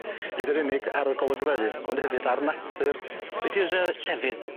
Nid yn unig ar y golygfeydd ond hefyd ar natur. Be' 'di'r yy llefydd